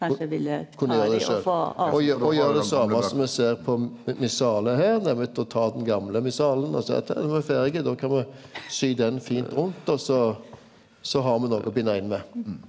kunne gjere det sjølv å å gjere det same som me ser på Missale her nemleg å ta den gamle missalen og seie at nå er me ferdige då kan me sy den fint rundt og så så har me noko å binda inn med.